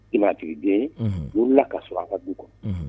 Itigiden' ka sɔrɔ an ka du kɔnɔ